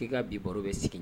K'i ka bi baro bɛ sigi